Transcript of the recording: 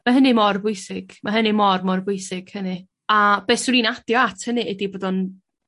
Ma' hynny mor bwysig ma' hynny mor mor bwysig hynny a be' 'swn i'n adio at hynny ydi bod o'n